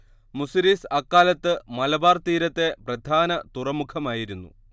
മുസിരിസ് അക്കാലത്ത് മലബാർ തീരത്തെ പ്രധാന തുറമുഖമായിരുന്നു